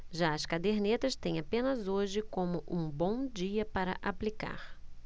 já as cadernetas têm apenas hoje como um bom dia para aplicar